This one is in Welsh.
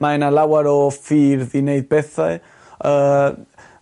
mae 'na lawer o ffyrdd i neud bethe yy